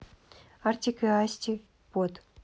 артик и асти под